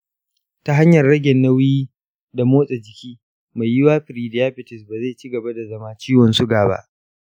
ta hanyar rage nauyi da motsa jiki, mai yiwuwa prediabetes ba zai ci gaba ya zama ciwon suga ba.